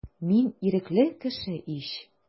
Мин ирекле кеше ич.